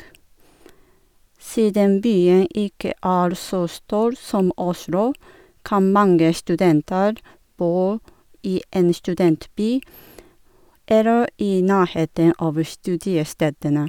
Siden byen ikke er så stor som Oslo, kan mange studenter bo i en studentby eller i nærheten av studiestedene.